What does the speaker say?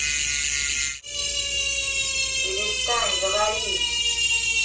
перестань говорить